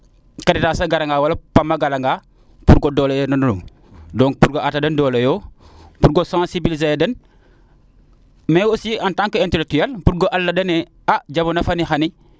Kdaidas a gara nga wala Pam a gara nga pour doole donc pour ata den doole yo bugo sensibliser a den mais aussi en atnt que intectuelle pour lala denee a jamano fane xaye